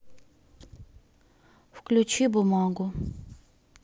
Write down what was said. включи бумагу